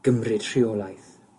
gymryd rheolaeth.